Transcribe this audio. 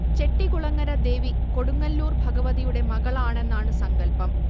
ചെട്ടികുളങ്ങര ദേവി കൊടുങ്ങല്ലൂർ ഭഗവതിയുടെ മകളാണെന്നാണു സങ്കല്പം